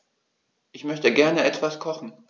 Ich möchte gerne etwas kochen.